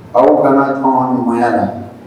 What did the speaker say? Aw kalan ɲɔgɔn ka nɔgɔyaya la